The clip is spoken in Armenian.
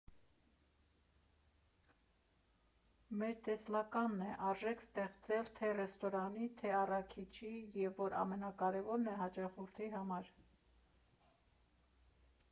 Մեր տեսլականն է՝ արժեք ստեղծել թե՛ ռեստորանի, թե՛ առաքիչի և, որ ամենակարևորն է, հաճախորդի համար։